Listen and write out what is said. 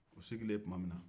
u sigilen tuma minna